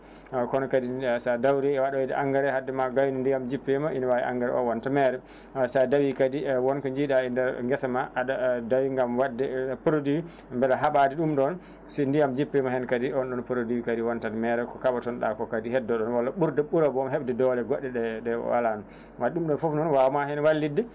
kono kadi sa dawri waɗoy engrais haade ma gaynu ndiyam jippima ina wawi engrais o wonta meere sa daawi kadi wonko jiiɗa e nder geesa ma aɗa dawi gaam wadde produit beela haaɓa de ɗum ɗon so ndiyam jippima heen kadi on ɗon produit kadi wontat meere ko kaɓotonoɗa ko kadi heddo ɗon walla ɓurda ɓuura boom hebde doole goɗɗe ɗe ɗe o alano wadde ɗum ɗon foof noon ne wawma heen wallidde